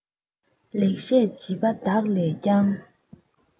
ལེགས བཤད བྱིས པ དག ལས ཀྱང